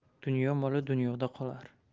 dunyo moli dunyoda qolar